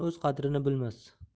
o'z qadrini bilmas